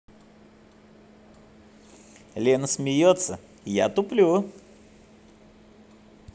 лена смеется я туплю